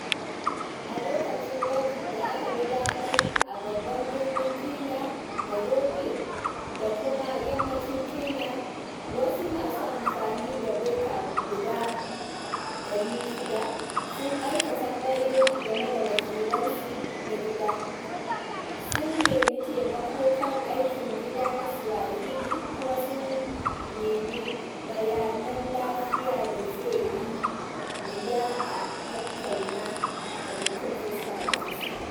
A lokacin gwaji da aka gudanar a babban birnin Kenya, Nairobi, da kuma a yammacin Kenya, wasu masu amfani da beta guda 600 sun aika tambayoyi game da wakilan su na gida, sun nemi taimako kan aikin gida na Swahili, kuma sun nemi bayanan lafiya da zai yi wuya a tattauna da mutum fuska da fuska.